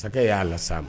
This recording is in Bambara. Masakɛ y'a la sa ma